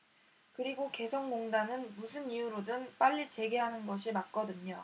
그리고 개성공단은 무슨 이유로든 빨리 재개하는 것이 맞거든요